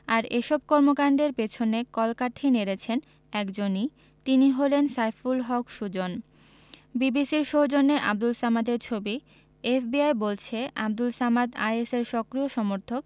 আর এসব কর্মকাণ্ডের পেছনে কলকাঠি নেড়েছেন একজনই তিনি হলেন সাইফুল হক সুজন বিবিসির সৌজন্যে আবদুল সামাদের ছবি এফবিআই বলছে আবদুল সামাদ আইএসের সক্রিয় সমর্থক